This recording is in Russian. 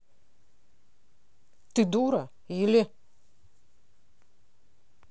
ты дура или